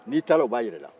n'i taara u b'a jira i la